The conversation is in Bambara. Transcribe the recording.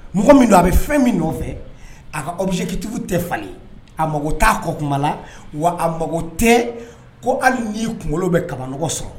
Mɔgɔ min don a bɛ fɛn min nɔfɛ a kabijɛ ketigiw tɛ falen a mago taa kɔ kuma la wa a mago tɛ ko hali'i kunkolo bɛ kabamanaɔgɔ sɔrɔ